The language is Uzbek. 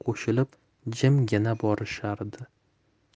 qo'shilib jimgina borishardi